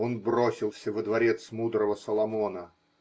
Он бросился во дворец мудрого Соломона.